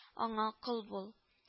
— аңа кол бул